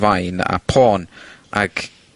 faVine a porn, ac